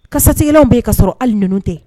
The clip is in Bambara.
Kasɛtigɛw bɛ yen ka sɔrɔ hali ninnu tɛ